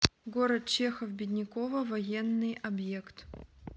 город чехов беднякова военный объект